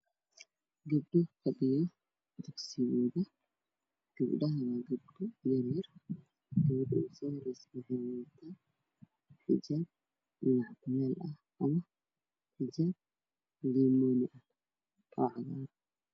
Waxaa ii muuqda gabdho dhulka fadhiyo iyo gabdho taagan oo fara badan waxayna wataan xijaabo kala duwan